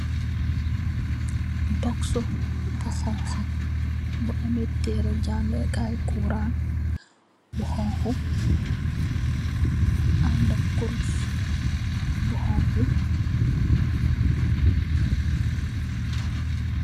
Bosu bu honku mu ameh tereh jàngeekaay quran bu honku andak kuros bu honku.